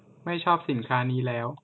ไม่ชอบสินค้านี้แล้ว